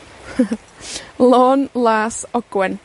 Lôn Las Ogwen